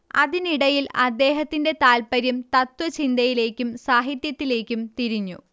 അതിനിടയിൽ അദ്ദേഹത്തിന്റെ താൽപര്യം തത്ത്വചിന്തയിലേക്കും സാഹിത്യത്തിലേക്കും തിരിഞ്ഞു